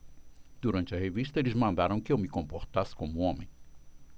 durante a revista eles mandaram que eu me comportasse como homem